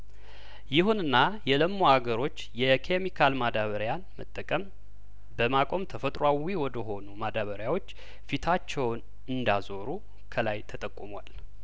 ይሁንና የለሙ አገሮች የኬሚካል ማዳበሪያ መጠቀም በማቆም ተፈጥሮአዊ ወደ ሆኑ ማዳበሪያዎች ፊታቸውን እንዳዞሩ ከላይ ተጠቁሟል